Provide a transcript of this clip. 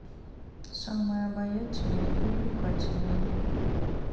самая обаятельная и привлекательная